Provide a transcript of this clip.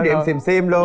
tím lịm xìm xim luôn